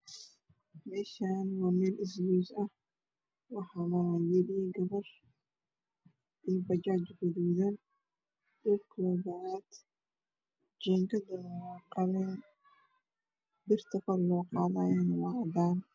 Meshaani waa mel isgoos ah waxaa maraya wiil iyo gabar iyo bajaaj gaduudan meshu waa bacaad jingaduna waa qalin birta kor looqadayana waa cadan